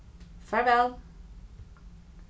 farvæl